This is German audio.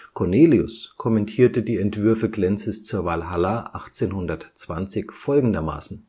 Cornelius kommentierte die Entwürfe Klenzes zur Walhalla 1820 folgendermaßen